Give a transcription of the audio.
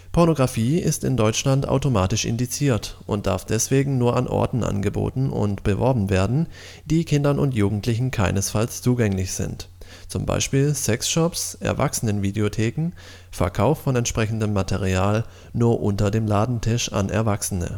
Pornografie ist in Deutschland automatisch indiziert und darf deswegen nur an Orten angeboten und beworben werden, die Kindern und Jugendlichen keinesfalls zugänglich sind (z. B. Sexshops, Erwachsenenvideotheken; Verkauf von entsprechendem Material nur „ unter dem Ladentisch “an Erwachsene